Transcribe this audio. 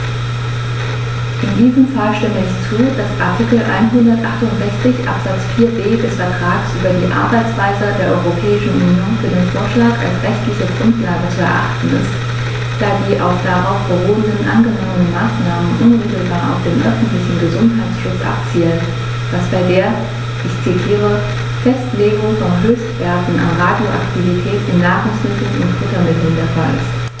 In diesem Fall stimme ich zu, dass Artikel 168 Absatz 4b des Vertrags über die Arbeitsweise der Europäischen Union für den Vorschlag als rechtliche Grundlage zu erachten ist, da die auf darauf beruhenden angenommenen Maßnahmen unmittelbar auf den öffentlichen Gesundheitsschutz abzielen, was bei der - ich zitiere - "Festlegung von Höchstwerten an Radioaktivität in Nahrungsmitteln und Futtermitteln" der Fall ist.